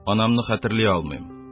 Анамны хәтерли алмыйм